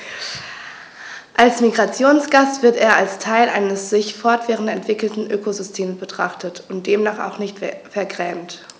Als Migrationsgast wird er als Teil eines sich fortwährend entwickelnden Ökosystems betrachtet und demnach auch nicht vergrämt.